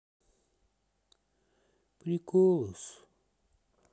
приколы с